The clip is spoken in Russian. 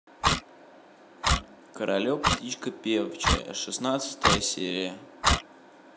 королек птичка певчая шестнадцатая серия